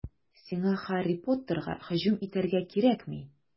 Сиңа Һарри Поттерга һөҗүм итәргә кирәкми.